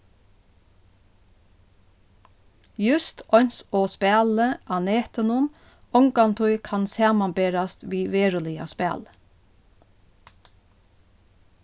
júst eins og spælið á netinum ongantíð kann samanberast við veruliga spælið